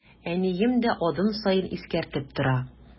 Әнием дә адым саен искәртеп тора.